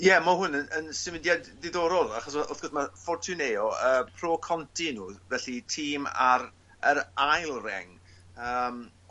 Ie ma' hwn yn yn symudiad diddorol achos w- wrth gwrs ma' Fortuneio yy Pro Conti 'yn n'w felly tîm ar yr ail reng. Yym.